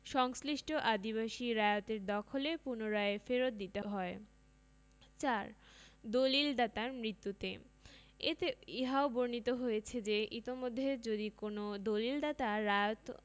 সংশ্লিষ্ট আদিবাসী রায়তের দখলে পুনরায় ফেরৎ দিতে হয় ৪ দলিল দাতার মৃত্যুতে এতে ইহাও বর্ণিত হয়েছে যে ইতমধ্যে যদি কোন দলিলদাতা রায়ত